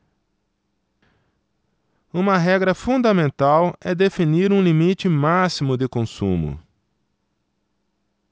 uma regra fundamental é definir um limite máximo de consumo